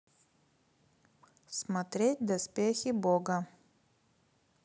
смотреть доспехи бога